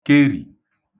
kerì